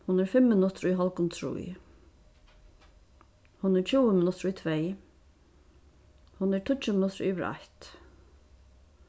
hon er fimm minuttir í hálvgum trý hon er tjúgu minuttir í tvey hon er tíggju minuttir yvir eitt